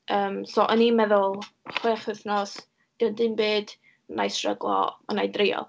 Yym, so o'n i'n meddwl, chwech wythnos, 'di hwn dim byd, wna i stryglo, ond wna i drio.